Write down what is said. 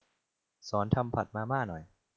สอนทำผัดมาม่าหน่อย